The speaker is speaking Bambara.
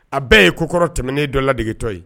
A bɛɛ ye ko kɔrɔ tɛmɛnen dɔ ladegetɔ ye